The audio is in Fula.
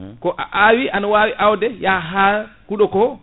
ko a awi an wawi awde yahaa huuɗoko